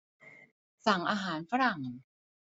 สั่งอาหารฝรั่ง